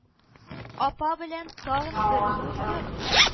Апа белән тагын бер зур йорт